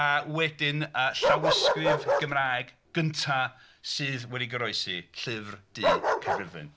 A wedyn y llawysgrif Gymraeg gynta sydd wedi goroesi, Llyfr Du Caerfyrddin.